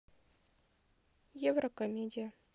евро комедия